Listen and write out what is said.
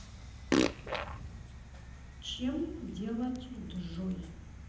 чем делать джой